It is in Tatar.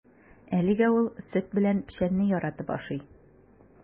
Әлегә ул сөт белән печәнне яратып ашый.